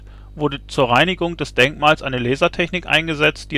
zur Reinigung des Denkmals eine Lasertechnik eingesetzt